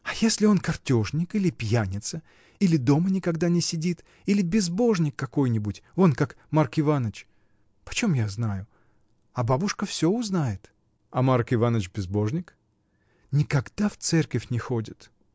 — А если он картежник, или пьяница, или дома никогда не сидит, или безбожник какой-нибудь, вон как Марк Иваныч. почем я знаю? А бабушка всё узнает. — А Марк Иваныч безбожник? — Никогда в церковь не ходит.